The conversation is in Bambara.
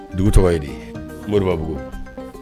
Dugu tɔgɔ ye de'bugu